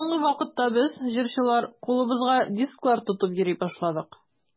Соңгы вакытта без, җырчылар, кулыбызга дисклар тотып йөри башладык.